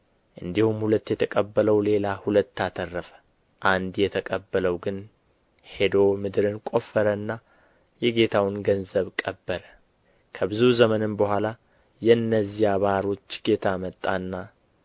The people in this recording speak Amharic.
እንዲሁም ሁለት የተቀበለው ሌላ ሁለት አተረፈ አንድ የተቀበለው ግን ሄዶ ምድርን ቈፈረና የጌታውን ገንዘብ ቀበረ ከብዙ ዘመንም በኋላ የእነዚያ ባሮች ጌታ መጣና